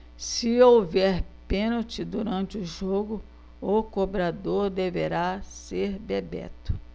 se houver pênalti durante o jogo o cobrador deverá ser bebeto